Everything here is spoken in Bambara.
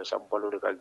Balo ka